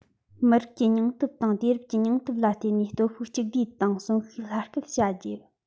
མི རིགས ཀྱི སྙིང སྟོབས དང དུས རབས ཀྱི སྙིང སྟོབས ལ བརྟེན ནས སྟོབས ཤུགས གཅིག བསྡུས དང གསོན ཤུགས ཡར སྐུལ བྱ རྒྱུ